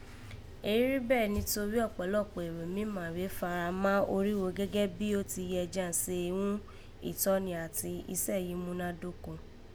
Èyí rí bẹ́ẹ̀ nítorí ọ̀kpọ̀lọkpọ̀ èrò mímá rèé fara má orígho gẹ́gẹ́ bí ó ti yẹ jí an se ghún ìtọ́ni àti iṣẹ́ yìí múná dóko